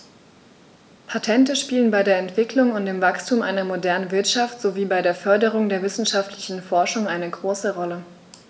Patente spielen bei der Entwicklung und dem Wachstum einer modernen Wirtschaft sowie bei der Förderung der wissenschaftlichen Forschung eine große Rolle.